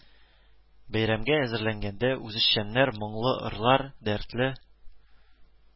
Бәйрәмгә әзерләнгәндә үзешчәннәре моңлы ырлар, дәртле